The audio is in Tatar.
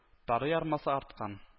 Тары ярмасы арткан